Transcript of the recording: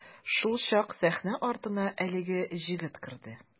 Шулчак сәхнә артына әлеге җегет керде.